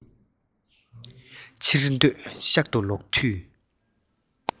ཕྱིར སྡོད ཤག ཏུ ལོག དུས